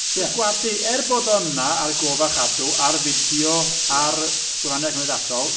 Jyst gwadu, er bod o yna ar gof a chadw, ar fideo a'r gwefannau cymdeithasol...